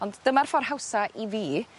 ond dyma'r ffor' hawsa i fi